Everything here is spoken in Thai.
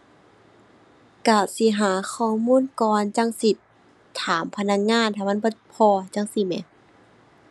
ก็สิหาข้อมูลก่อนจั่งสิถามพนักงาน ถ้ามันบ่พ้อจั่งซี้แหม